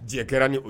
Jɛn kɛra ni